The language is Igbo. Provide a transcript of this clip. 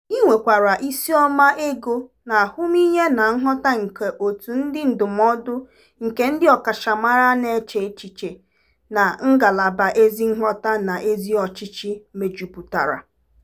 Anyị nwekwara isiọma ịgụ n'ahụmihe na nghọta nke òtù ndị ndụmọdụ nke ndị ọkachamara na-eche echiche na ngalaba ezi nghọta na ezi ọchịchị mejupụtara.